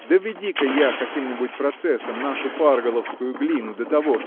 Доведи-ка я каким-нибудь процессом нашу парголовскую глину до того